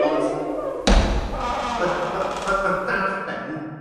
Ond ma' ma' ma' ma' darllen